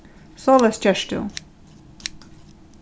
soleiðis gert tú